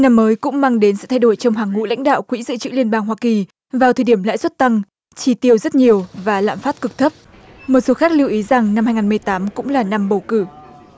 nhà mới cũng mang đến sự thay đổi trong hàng ngũ lãnh đạo quỹ dự trữ liên bang hoa kỳ vào thời điểm lãi suất tăng chỉ tiêu rất nhiều và lạm phát cực thấp một số khách lưu ý rằng năm hai nghìn mười tám cũng là năm bầu cử